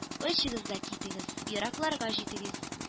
Очыгыз да китегез, еракларга җитегез: